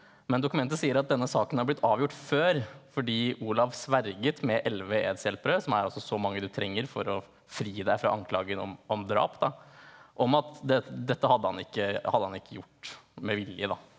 men dokumentet sier at denne saken har blitt avgjort før fordi Olav sverget med elleve edshjelpere som er altså så mange du trenger for å fri deg fra anklagen om om drap da om at dette hadde han ikke hadde han ikke gjort med vilje da.